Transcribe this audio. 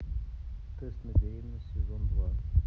тест на беременность сезон два